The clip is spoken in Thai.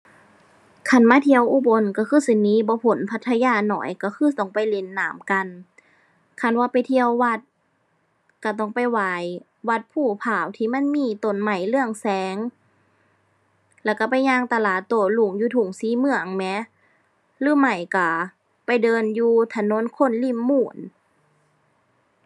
คันมาเที่ยวอุบลก็คือสิหนีบ่พ้นพัทยาน้อยก็คือต้องไปเล่นน้ำกัน คันว่าไปเที่ยววัด ก็ต้องไปไหว้วัดภูพร้าวที่มันมีต้นไม้เรืองแสง แล้วก็ไปย่างตลาดโต้รุ่งอยู่ทุ่งศรีเมืองแหม หรือไม่ก็ไปเดินอยู่ถนนคนริมมูล